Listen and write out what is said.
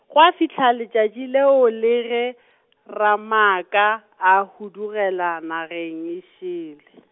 gwa fihla letšatši leo le ge , Ramaaka a hudugela nageng e šele.